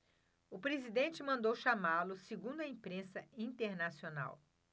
o presidente mandou chamá-lo segundo a imprensa internacional